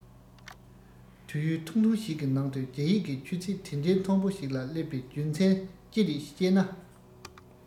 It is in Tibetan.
དུས ཡུན ཐུང ཐུང ཞིག གི ནང དུ རྒྱ ཡིག གི ཆུ ཚད དེ འདྲའི མཐོན པོ ཞིག ལ སླེབས པའི རྒྱུ མཚན ཅི རེད ཅེ ན